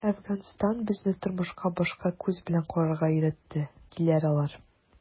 “әфганстан безне тормышка башка күз белән карарга өйрәтте”, - диләр алар.